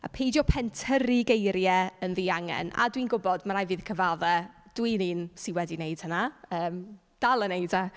Peidio pentyrru geiriau yn ddiangen. A dwi'n gwybod, ma' raid fi cyfaddau, dwi'n un sy wedi wneud hynna, yym dal yn wneud e.